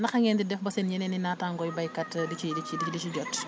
naka ngeen di def ba seen yeneen i naataangooy béykat di ci di ci di ci jot